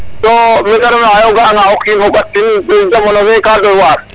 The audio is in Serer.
So me ta refna o ga'anga o kiin o xoɓatin jamano fe ka doywar.